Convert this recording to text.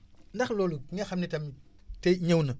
ndax loolu ki nga xam ne tam tay ñëw na